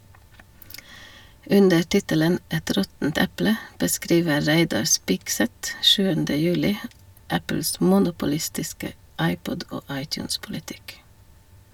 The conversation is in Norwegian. Under tittelen «Et råttent eple» beskriver Reidar Spigseth 7. juli Apples monopolistiske iPod- og iTunes-politikk.